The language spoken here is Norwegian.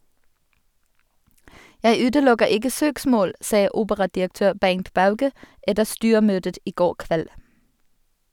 Jeg utelukker ikke søksmål, sa operadirektør Bernt Bauge etter styremøtet i går kveld.